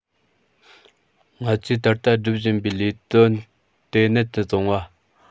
ང ཚོས ད ལྟ སྒྲུབ བཞིན པའི ལས དོན ལྟེ གནད དུ བཟུང བ